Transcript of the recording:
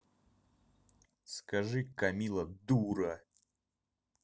скажи камилла дура